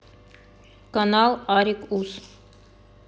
канал ариг ус